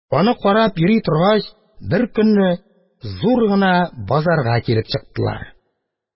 Аны карап йөри торгач, беркөнне зур гына базарга килеп чыктылар.